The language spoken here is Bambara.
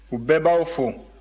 u bɛɛ b'aw fo